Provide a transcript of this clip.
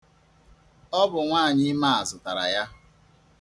Ọ bụ nwaanyiime a zụtara ya.